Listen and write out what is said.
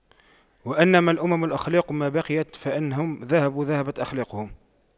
وإنما الأمم الأخلاق ما بقيت فإن هم ذهبت أخلاقهم ذهبوا